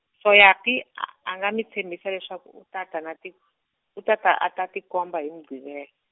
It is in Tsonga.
Soyaphi a a nga mi tshembisa leswaku u ta ta na t-, u ta ta a ta tikomba hi Muqhivela.